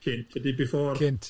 Cynt ydi before. Cynt.